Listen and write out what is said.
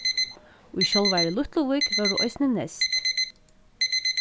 í sjálvari lítluvík vóru eisini neyst